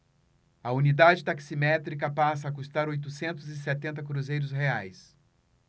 a unidade taximétrica passa a custar oitocentos e setenta cruzeiros reais